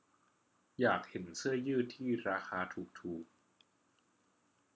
อยากเห็นเสื้อยืดที่ราคาถูกถูก